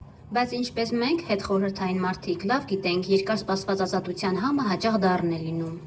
Բայց, ինչպես մենք՝ հետխորհրդային մարդիկ, լավ գիտենք՝ երկար սպասված ազատության համը հաճախ դառն է լինում։